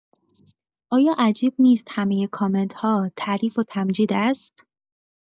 آیا عجیب نیست همۀ کامنت‌ها تعریف و تمجید است؟